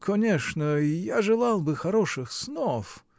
конечно, я желал бы хороших слов.